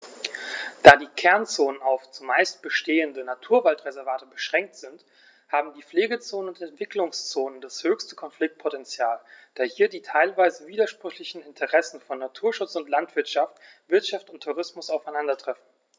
Da die Kernzonen auf – zumeist bestehende – Naturwaldreservate beschränkt sind, haben die Pflegezonen und Entwicklungszonen das höchste Konfliktpotential, da hier die teilweise widersprüchlichen Interessen von Naturschutz und Landwirtschaft, Wirtschaft und Tourismus aufeinandertreffen.